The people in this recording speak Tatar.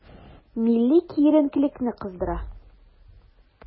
Милли киеренкелекне кыздыра.